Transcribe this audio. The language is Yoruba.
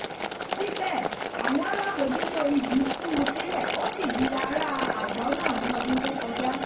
Síbẹ̀, àwọn alábòójútó ijù tú u sílẹ̀, ó sì di aráa àgọ́ náà ní ọdún tó kọjá.